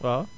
waaw